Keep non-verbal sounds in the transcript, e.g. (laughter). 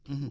(hesitation) (hesitation)